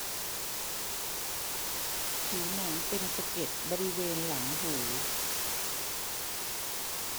ผิวหนังเป็นสะเก็ดบริเวณหลังหู